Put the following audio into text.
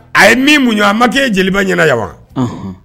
A ye min muɲu a ma k'e jeliba ɲɛna yan wa; unhun.